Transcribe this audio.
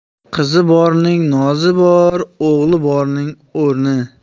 qizi borning nozi bor o'g'li borning o'rni